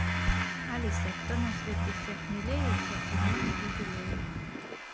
алиса кто на свете всех милее всех румяней и белее